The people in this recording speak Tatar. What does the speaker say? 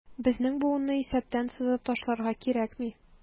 Безнең буынны исәптән сызып ташларга кирәкми.